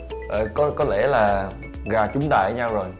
có lẽ là gà trúng đại nhau rồi